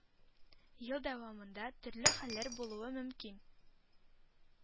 Ел дәвамында төрле хәлләр булуы мөмкин,